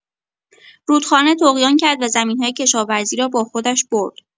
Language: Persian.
رودخانه طغیان کرد و زمین‌های کشاورزی را با خودش برد.